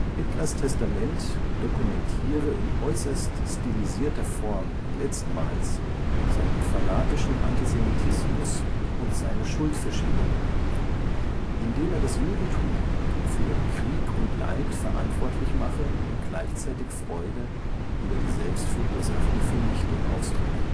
Hitlers Testament dokumentiere in äußerst stilisierter Form letztmals seinen fanatischen Antisemitismus und seine Schuldverschiebung, indem er „ das Judentum “für Krieg und Leid verantwortlich mache und gleichzeitig Freude über die selbstverursachte Vernichtung ausdrücke